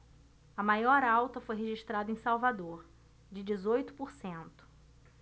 a maior alta foi registrada em salvador de dezoito por cento